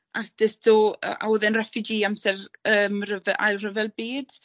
artist o yy a odd e'n refugee amser yym refe- ail rhyfel byd.